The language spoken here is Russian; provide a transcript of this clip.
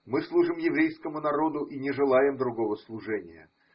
Мы служим еврейскому народу и не желаем другого служения.